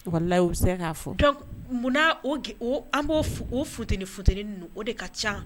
La se k' fɔ dɔnkuc munna o an b'o o fut fut ninnu o de ka ca